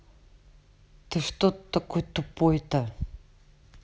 ты что такой тупой то